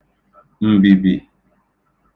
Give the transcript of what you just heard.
m̀bìbì